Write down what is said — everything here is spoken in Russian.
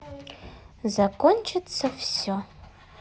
закончится все